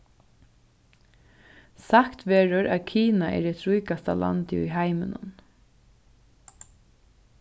sagt verður at kina er hitt ríkasta landið í heiminum